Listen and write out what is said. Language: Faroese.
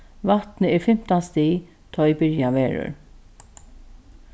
vatnið er fimtan stig tá ið byrjað verður